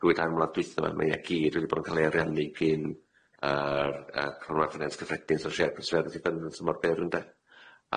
so drwy dair mlynadd dwytha ma' mae e gyd wedi bod yn ca'l ei ariannu gin yy yy Cymrag Cymraeg Cyffredin tymor byr ynde?